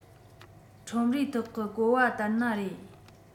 ཁྲོམ རའི ཐོག གི གོ བ ལྟར ན རེད